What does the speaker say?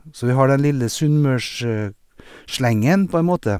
Så vi har den lille sunnmørsslangen, på en måte.